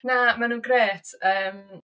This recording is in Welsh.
Na, maen nhw'n grêt yym.